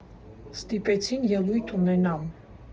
Ստիպեցին ելույթ ունենամ։